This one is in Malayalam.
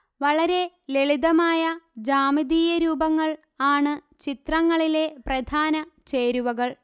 വളരെ ലളിതമായ ജ്യാമിതീയരൂപങ്ങൾ ആണ് ചിത്രങ്ങളിലെ പ്രധാനചേരുവകൾ